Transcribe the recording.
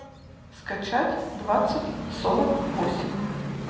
скачать двадцать сорок восемь